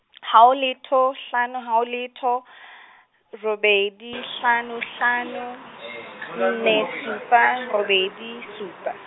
haho letho, hlano haho letho , robedi hlano hlano, nne supa robedi supa.